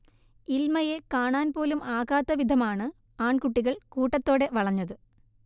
ഇൽമയെ കാണാൻപോലും ആകാത്ത വിധമാണ് ആൺകുട്ടികൾ കൂട്ടത്തോടെ വളഞ്ഞത്